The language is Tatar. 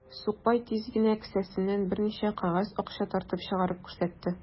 Сукбай тиз генә кесәсеннән берничә кәгазь акча тартып чыгарып күрсәтте.